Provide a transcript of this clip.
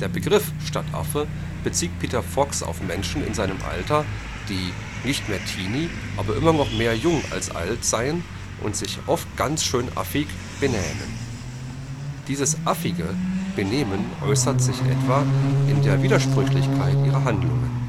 Begriff „ Stadtaffe “bezieht Peter Fox auf Menschen in seinem Alter, die „ nicht mehr Teenie, aber immer noch mehr jung als alt “seien und sich „ oft ganz schön affig “benähmen. Dieses „ affige “Benehmen äußere sich etwa in der Widersprüchlichkeit ihrer Handlungen